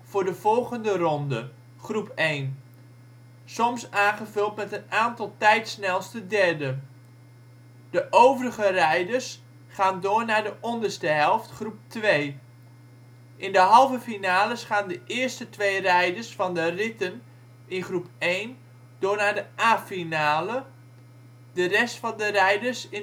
de volgende ronde (groep 1), soms aangevuld met een aantal tijdsnelste derden. De overige rijders gaan door naar de onderste helft (groep 2). In de halve finales gaan de eerste twee rijders van de ritten in groep één door naar de A-finale, de rest van de rijders